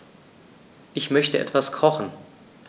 Ich möchte etwas kochen.